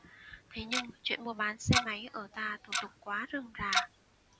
thế nhưng chuyện mua bán xe máy ở ta thủ tục quá rườm rà